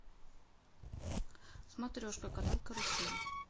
сматрешка канал карусель